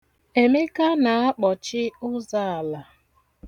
Emeka na-akpọchi ụzọ ala.